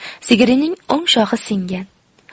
sigirining o'ng shoxi singan